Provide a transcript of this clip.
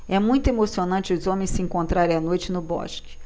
é muito emocionante os homens se encontrarem à noite no bosque